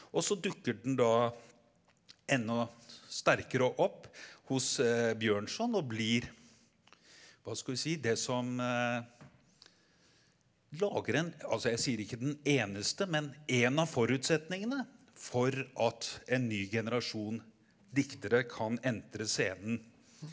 og så dukker den da ennå sterkere opp hos Bjørnson og blir hva skal vi si det som lager en altså jeg sier ikke den eneste men én av forutsetningene for at en ny generasjon diktere kan entre scenen.